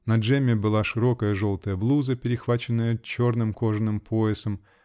На Джемме была широкая желтая блуза, перехваченная черным кожаным поясом